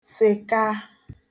sèka